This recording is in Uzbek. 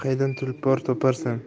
qaydan tulpor toparsan